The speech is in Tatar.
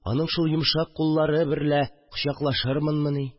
Аның шул йомшак куллары берлә кочакланырмынмыни